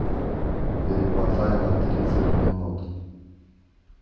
перемотай на тридцать минут